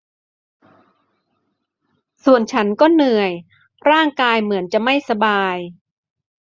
ส่วนฉันก็เหนื่อยร่างกายเหมือนจะไม่สบาย